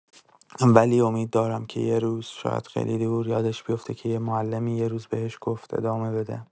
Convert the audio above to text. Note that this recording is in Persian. ولی امید دارم که یه روز، شاید خیلی دور، یادش بیفته که یه معلمی یه روز بهش گفت ادامه بده.